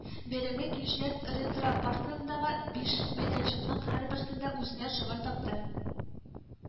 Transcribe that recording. Бәйрәмгә килүчеләр ретропаркындагы биш мәйданчыкның һәрберсендә үзенә шөгыль тапты